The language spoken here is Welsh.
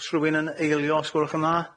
O's rhywun yn eilio, os gwelwch yn dda?